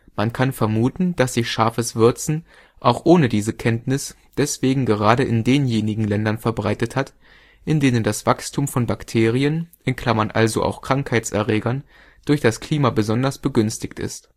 Man kann vermuten, dass sich scharfes Würzen - auch ohne diese Kenntnis - deswegen gerade in denjenigen Ländern verbreitet hat, in denen das Wachstum von Bakterien (also auch Krankheitserregern) durch das Klima besonders begünstigt ist